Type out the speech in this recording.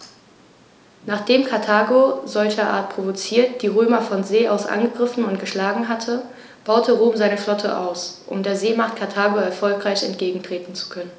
Nachdem Karthago, solcherart provoziert, die Römer von See aus angegriffen und geschlagen hatte, baute Rom seine Flotte aus, um der Seemacht Karthago erfolgreich entgegentreten zu können.